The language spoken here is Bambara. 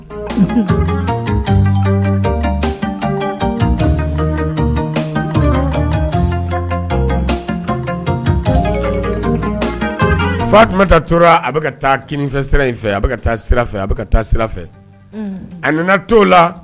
Fa tun bɛ taa tora a bɛ ka taa kininifɛ sira in fɛ a bɛ taa sira fɛ a bɛ taa sira fɛ a nana to la